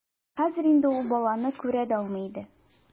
Хәзер инде ул баланы күрә дә алмый иде.